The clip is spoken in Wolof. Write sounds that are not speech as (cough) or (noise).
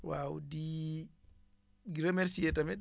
waaw di (hesitation) di remercier tamit